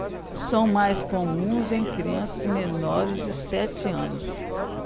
são mais comuns em crianças menores de sete anos